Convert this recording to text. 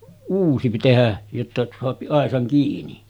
uusi piti tehdä jotta saa aisan kiinni